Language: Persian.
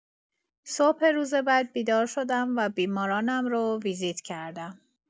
صبح روز بعد بیدار شدم و بیمارانم رو ویزیت کردم.